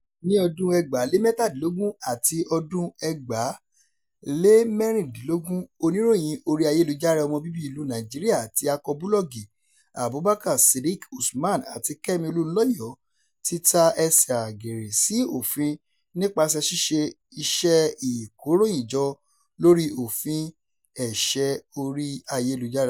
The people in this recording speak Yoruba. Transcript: Ní ọdún 2017 àti 2016, oníròyìn orí-ayélujára ọmọ bíbí ìlú Nàìjíríà àti akọbúlọ́ọ̀gù Abubakar Sidiq Usman àti Kẹ́mi Olúnlọ́yọ̀ọ́ tí ta ẹsẹ̀ àgẹ̀rẹ̀ sí òfin nípasẹ̀ ṣíṣe iṣẹ́ ìkóròyìnjọ lóríi Òfin Ẹ̀ṣẹ̀ orí-ayélujára.